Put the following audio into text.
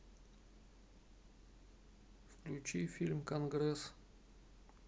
включи фильм конгресс